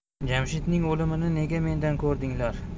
jamshidning o'limini nega mendan ko'rdinglar